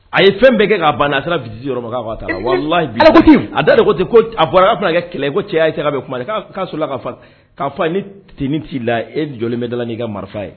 A ye fɛn bɛɛ kɛ ka ban a sera bin yɔrɔma la wa a da de ko ten a bɔra'a bɛna kɛ kɛlɛ cɛ y' ye cɛ bɛ kuma'a sɔrɔ ka'a t ni t'i la e jɔ bɛ dala n'i ka marifa ye